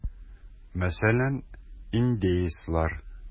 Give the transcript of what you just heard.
Мәсәлән, индеецлар.